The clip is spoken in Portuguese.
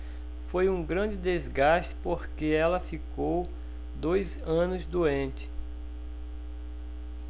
foi um grande desgaste porque ela ficou dois anos doente